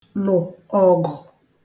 lụ̀ ọ̀gụ̀